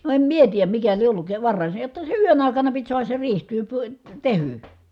no en minä tiedä mikä lie ollut varhain se jotta se yön aikana piti saada se riihi -- tehdyksi